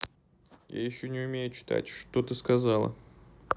я еще не умею читать что ты сказала